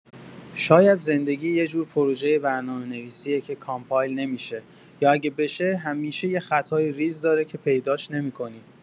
شاید زندگی یه جور پروژه برنامه‌نویسیه که کامپایل نمی‌شه، یا اگه بشه، همیشه یه خطای ریز داره که پیداش نمی‌کنی.